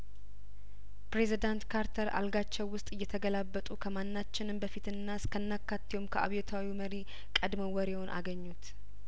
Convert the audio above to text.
ፕሬዚዳንት ካርተር አልጋቸው ውስጥ እየተገላበጡ ከማናችንም በፊትና እስከናካቴውም ከአብዮታዊው መሪ ቀድመው ወሬውን አገኙት